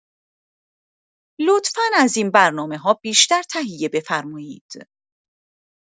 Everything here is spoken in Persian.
لطفا از این برنامه‌‌ها بیشتر تهیه بفرمایید.